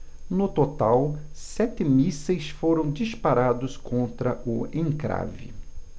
no total sete mísseis foram disparados contra o encrave